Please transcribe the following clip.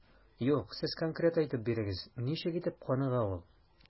Юк, сез конкрет әйтеп бирегез, ничек итеп каныга ул?